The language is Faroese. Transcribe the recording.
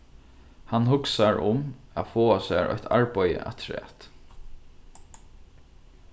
hann hugsar um at fáa sær eitt arbeiði afturat